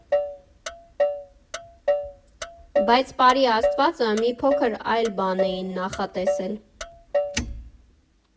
Բայց Պարի Աստվածը մի փոքր այլ բան էին նախատեսել։